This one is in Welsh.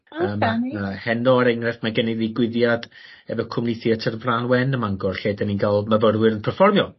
Yym nawr heno er enghraifft mae gen i ddigwyddiad efo cwmni theatr Frân Wen y Mangor lle 'dyn ni'n ga'l myfyrwyr yn perfformio.